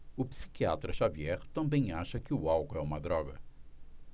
o psiquiatra dartiu xavier também acha que o álcool é uma droga